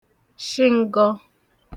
shi ǹgọ